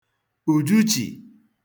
ùjichì